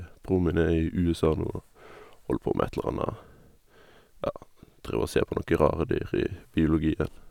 Bror min er i USA nå og holder på med et eller anna, ja, driver og ser på noen rare dyr i biologien.